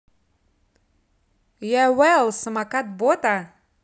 yeah well самокат бота